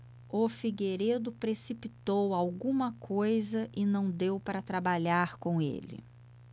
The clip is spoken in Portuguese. o figueiredo precipitou alguma coisa e não deu para trabalhar com ele